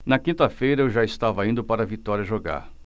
na quinta-feira eu já estava indo para vitória jogar